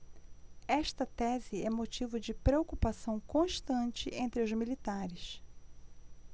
esta tese é motivo de preocupação constante entre os militares